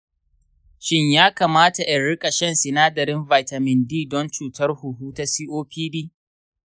shin ya kamata in riƙa shan sinadarin vitamin d don cutar huhu ta copd?